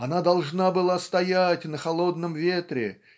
Она должна была стоять на холодном ветре